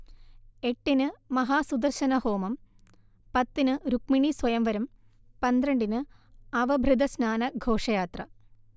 എട്ടിന് മഹാസുദർശനഹോമം, പത്തിന് രുക്മിണീസ്വയംവരം, പന്ത്രണ്ടിന് അവഭൃഥസ്നാന ഘോഷയാത്ര